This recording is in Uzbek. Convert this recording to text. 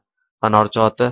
fanorchi ota